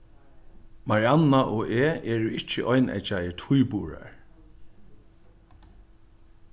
marianna og eg eru ikki eineggjaðir tvíburar